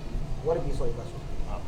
Wari bi sɔrɔ i ba sɔrɔ